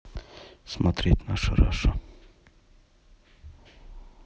смотреть наша раша